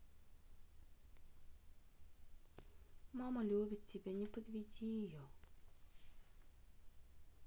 мама любит тебя не подведи ее